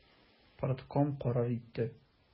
Партком карар итте.